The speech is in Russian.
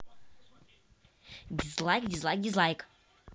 дизлайк дизлайк дизлайк